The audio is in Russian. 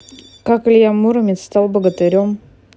как илья муромец стал богатырем